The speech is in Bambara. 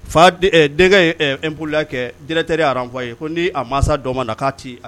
Fa denkɛ npolila kɛ j tɛ n f fɔa ye ko n' a mansa dɔ ma na k'a ci